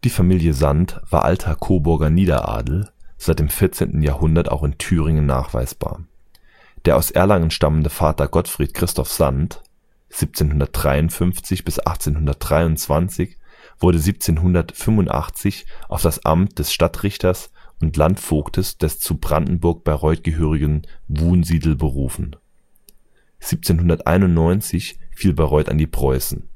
Familie Sand war alter Coburger Niederadel, seit dem 14. Jahrhundert auch in Thüringen nachweisbar. Der aus Erlangen stammende Vater Gottfried Christoph Sand (1753 – 1823) wurde 1785 auf das Amt des Stadtrichters und Landvogtes des zu Brandenburg-Bayreuth gehörigen Wunsiedel berufen. 1791 fiel Bayreuth an Preußen. Im